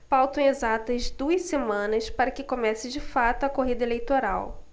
faltam exatas duas semanas para que comece de fato a corrida eleitoral